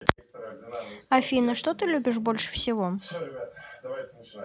афина что ты любишь больше всего